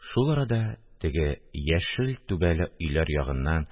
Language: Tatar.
Шул арада теге яшел түбәле өйләр ягыннан